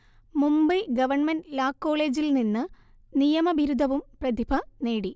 Mumbai government law കോളെജിൽ നിന്ന് നിയമ ബിരുദവും പ്രതിഭ നേടി